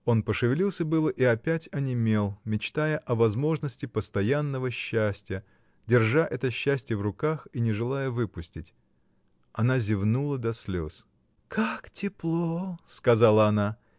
Он пошевелился было и опять онемел, мечтая о возможности постоянного счастья, держа это счастье в руках и не желая выпустить. Она зевнула до слез. — Как тепло! — сказала она.